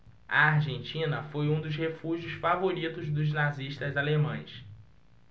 a argentina foi um dos refúgios favoritos dos nazistas alemães